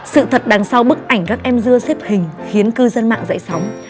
sự thật đằng sau bức ảnh các em dưa xếp hình khiến cư dân mạng dậy sóng